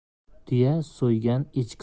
tuya so'ygan echki